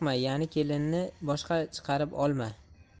boqma yani kelinni boshga chiqarib olma